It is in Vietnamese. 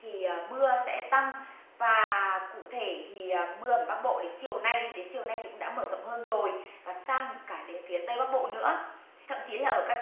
thì mưa sẽ tăng và cụ thể thì mưa ở bắc bộ đến chiều nay đến chiều nay thì cũng đã mở rộng hơn rồi sang cả đến phía tây bắc bộ nữa thậm chí là ở